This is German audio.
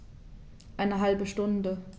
Eine halbe Stunde